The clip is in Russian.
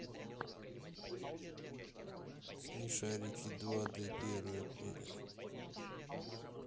смешарики два д первое апреля